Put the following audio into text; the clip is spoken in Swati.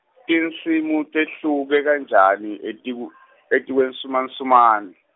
tinsimu tehluke kanjani etikwu- etikwensumansumane?